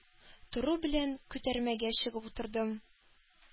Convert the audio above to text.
Тору белән күтәрмәгә чыгып утырдым.